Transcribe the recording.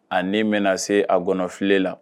A ni be na se a gɔnɔfilen la.